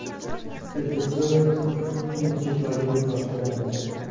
dilfuza uni jilmayib qarshi oldi